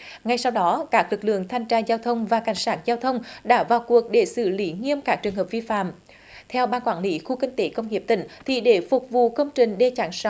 ngay sau đó các lực lượng thanh tra giao thông và cảnh sát giao thông đã vào cuộc để xử lý nghiêm các trường hợp vi phạm theo ban quản lý khu kinh tế công nghiệp tỉnh thì để phục vụ công trình đê chắn sóng